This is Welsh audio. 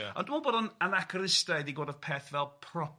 ...ond dwi'n meddwl bod o'n anachristiaidd i gweld y peth fel propaganda,